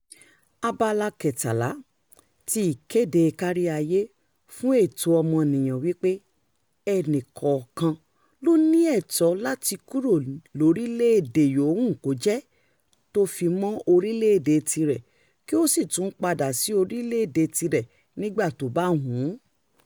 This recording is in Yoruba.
Abala 13 ti Ìkéde Káríayé Fún È̩Tó̩ O̩mo̩nìyàn wípé "E̩nì kọ̀ọ̀kan ló ní ẹ̀tọ́ láti kúrò lórìlẹ̀‐èdè yòówù kó jẹ́, tó fi mọ́ orílẹ̀‐èdè tirẹ̀, kí ó sì tún padà sí orílẹ̀‐èdè tirẹ̀ nígbà tó bá wù ú".